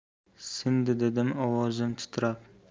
sindi dedim ovozim titrab